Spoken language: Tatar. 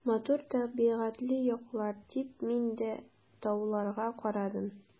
Матур табигатьле яклар, — дип мин дә тауларга карадым.